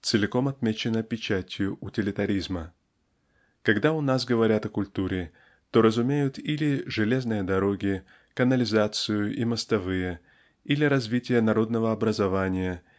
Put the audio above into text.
целиком отмечена печатью утилитаризма. Когда у нас говорят о культуре то разумеют или железные дороги канализацию и мостовые или развитие народного образования